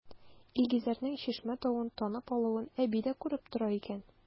Илгизәрнең Чишмә тавын танып алуын әби дә күреп тора икән.